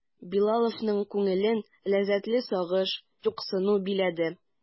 Билаловның күңелен ләззәтле сагыш, юксыну биләде.